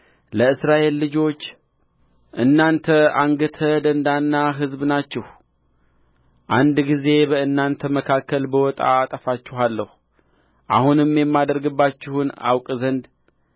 ለእስራኤል ልጆች እናንተ አንገተ ደንዳና ሕዝብ ናችሁ አንድ ጊዜ በእናንተ መካከል ብወጣ አጠፋችኋለሁ አሁንም የማደርግባችሁን አውቅ ዘንድ